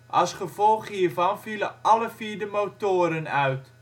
Als gevolg hiervan vielen alle vier de motoren uit